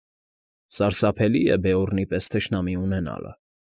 Սարսափելի է Բեորնի պես թշնամի ունենալը։